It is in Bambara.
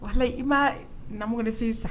Walayi i ma